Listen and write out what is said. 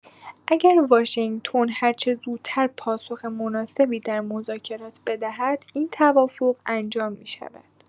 اگر واشنگتن هرچه زودتر پاسخ مناسبی در مذاکرات بدهد این توافق انجام می‌شود.